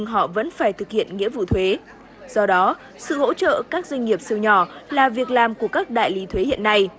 họ vẫn phải thực hiện nghĩa vụ thuế do đó sự hỗ trợ các doanh nghiệp siêu nhỏ là việc làm của các đại lý thuế hiện nay